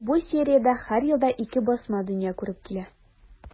Бу сериядә һәр елда ике басма дөнья күреп килә.